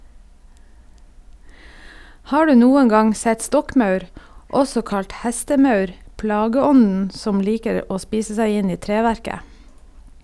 Har du noen gang sett stokkmaur, også kalt hestemaur, plageånden som liker å spise seg inn i treverket?